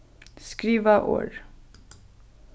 skriva orð